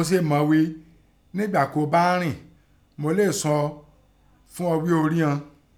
Ọ sèè mọ̀ ghíi níbì ọ́ bá ń rìn, mo léè ghí àn án ghíi ọ́ rí ọn.